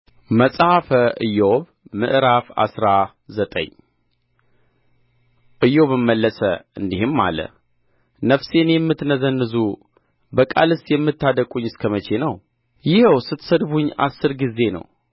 መጽሐፈ ኢዮብ ምዕራፍ አስራ ዘጠኝ ኢዮብም መለሰ እንዲህም አለ ነፍሴን የምትነዘንዙ በቃልስ የምታደቅቁኝ እስከ መቼ ነው ይኸው ስትሰድቡኝ አሥር ጊዜ ነው